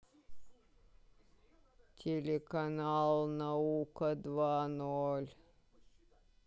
телеканал наука два ноль